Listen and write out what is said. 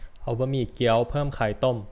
เอาบะหมี่เกี๊ยวเพิ่มไข่ต้ม